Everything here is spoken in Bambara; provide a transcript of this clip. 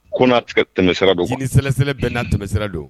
Ko tɛmɛsira don ko ni sɛsɛ bɛ n na tɛmɛsira don